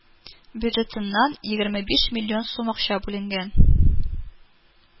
Бюджетыннан егерме биш миллион сум акча бүленгән